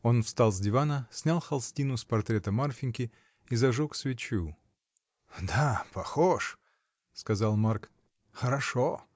Он встал с дивана, снял холстину с портрета Марфиньки и зажег свечу. — Да, похож! — сказал Марк, — хорошо!.